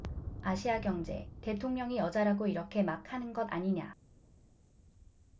아시아경제 대통령이 여자라고 이렇게 막 하는 것 아니냐